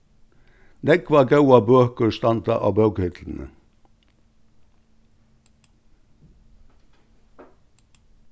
nógvar góðar bøkur standa á bókahillini